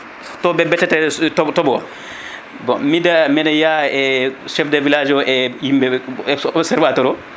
toon ɓe ɓefete tooɓo tooɓo o bon miɗa meɗa yaa e chef de village o e yimɓeɓe %é obse observateur o